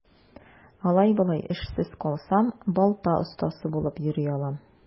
Алай-болай эшсез калсам, балта остасы булып йөри алам.